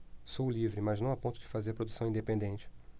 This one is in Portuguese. sou livre mas não a ponto de fazer produção independente